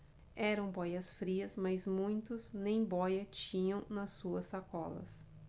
eram bóias-frias mas muitos nem bóia tinham nas suas sacolas